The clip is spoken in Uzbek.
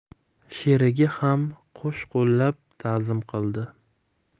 sherigi ham qo'sh qo'llab ta'zim qildi